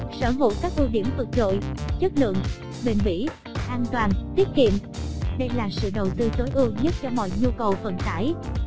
sở hữu các ưu điểm vượt trội chất lượng bền bỉ an toàn tiết kiệm đây là sự đầu tư tối ưu nhất cho mọi nhu cầu vận tải